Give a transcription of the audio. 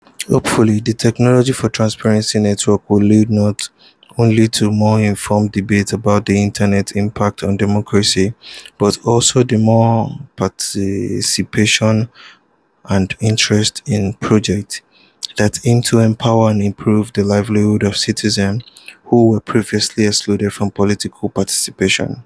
Hopefully the Technology for Transparency Network will lead not only to more informed debate about the Internet's impact on democracy, but also to more participation and interest in projects that aim to empower and improve the livelihoods of citizens who were previously excluded from political participation.